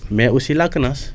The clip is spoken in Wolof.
mais aussi la CNAAS